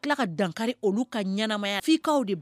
A tila ka dankari olu ka ɲmaya f'kaw